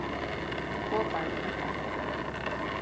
kopargøta